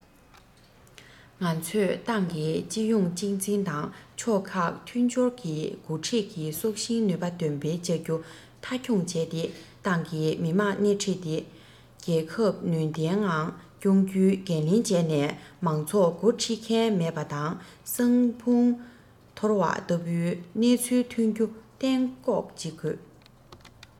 ང ཚོས ཏང གི སྤྱི ཡོངས གཅིག འཛིན དང ཕྱོགས ཁག མཐུན སྦྱོར གྱི འགོ ཁྲིད ཀྱི སྲོག ཤིང ནུས པ འདོན སྤེལ བྱ རྒྱུ མཐའ འཁྱོངས བྱས ཏེ ཏང གིས མི དམངས སྣེ ཁྲིད དེ རྒྱལ ཁབ ནུས ལྡན ངང སྐྱོང རྒྱུའི འགན ལེན བྱས ནས མང ཚོགས འགོ འཁྲིད མཁན མེད པ དང སྲན ཕུང ཐོར བ ལྟ བུའི སྣང ཚུལ ཐོན རྒྱུ གཏན འགོག བྱེད དགོས